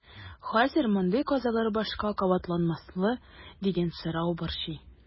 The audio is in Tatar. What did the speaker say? Хәзер мондый казалар башка кабатланмасмы дигән сорау борчый.